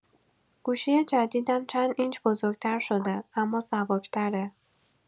گوشی جدیدم چند اینچ بزرگ‌تر شده اما سبک‌تره.